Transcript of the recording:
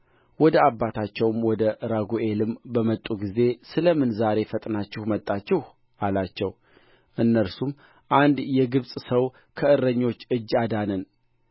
ወደ አባታቸው ወደ ራጉኤልም በመጡ ጊዜ ስለ ምን ዛሬ ፈጥናችሁ መጣችሁ አላቸው እነርሱም አንድ የግብፅ ሰው ከእረኞች እጅ አዳነን